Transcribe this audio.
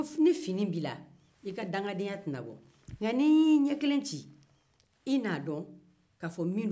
ni fini b'i la i ka dangandenya tɛna dɔn nka ni n y'i ɲɛ kelen ci i n'a dɔn k'a fɔ min don